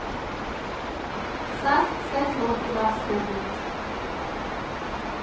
Սա սկսեց մոտիվացնել մեզ։